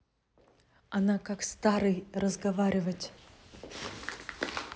она как старый разговаривать